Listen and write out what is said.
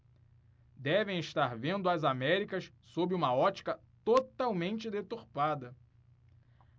devem estar vendo as américas sob uma ótica totalmente deturpada